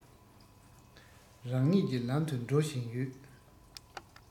རང ཉིད ཀྱི ལམ དུ འགྲོ བཞིན ཡོད